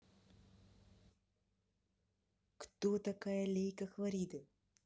кто такая лейка хлориде